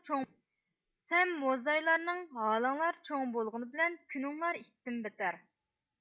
سەن موزايلارنىڭ ھالىڭلار چوڭ بولغىنى بىلەن كۈنۈڭلار ئىتتىن بەتتەر